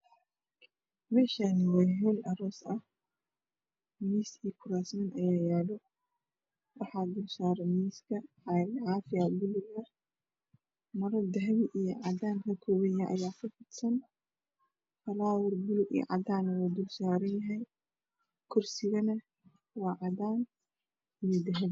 Meshan aa hool aroos ah miis iyo kuraas ayaa yaalo waxaa dul saran miiska cagad caafi oo baluug ah mara dahapi iyob cadaa kakaoopan ayaa ku fidasan falaawar puluug iyo cadan ah wuu korsaran yahy kursigana waa dahapi